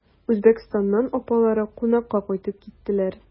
Үзбәкстаннан апалары кунакка кайтып киттеләр.